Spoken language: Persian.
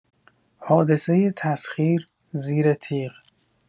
حادثه تسخیر، زیر تیغ!